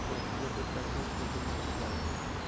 pokiza bir dargoh qurdirmoqchilar